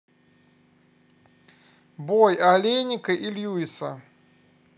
бой олейника и льюиса